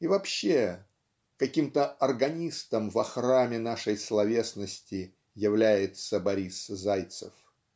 И вообще каким-то органистом во храме нашей словесности является Борис Зайцев.